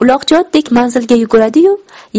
uloqchi otdek manzilga yuguradi yu